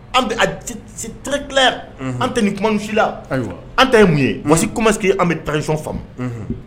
An dila an tɛ ni kumasi la an ta mun ye parcesi kuma mas an bɛ tasi faamu